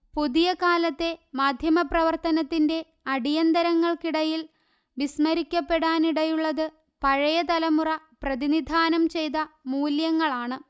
പുതിയ കാലത്തെ മാധ്യമപ്രവർത്തനത്തിന്റെ അടിയന്തരങ്ങൾക്കിടയിൽ വിസ്മരിക്കപ്പെടാനിടയുള്ളത് പഴയ തലമുറ പ്രതിനിധാനം ചെയ്ത മൂല്യങ്ങളാണ്